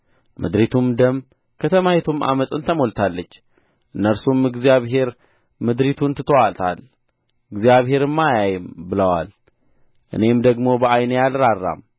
ምድሪቱም ደም ከተማይቱም ዓመፅን ተሞልታለች እነርሱም እግዚአብሔር ምድሪቱን ትቶአታል እግዚአብሔርም አያይም ብለዋል እኔም ደግሞ በዓይኔ አልራራም